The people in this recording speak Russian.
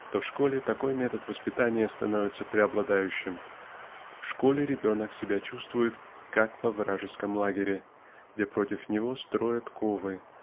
то в школе такой метод воспитания становится преобладающим. В школе ребенок себя чувствует как во вражеском лагере где против него строят ковы